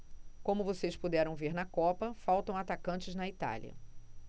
como vocês puderam ver na copa faltam atacantes na itália